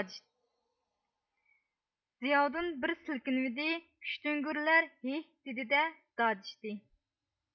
زىياۋۇدۇن بىر سىلكىنىۋىدى كۈچتۈڭگۈرلەر ھىھ دېدى دە داجىشتى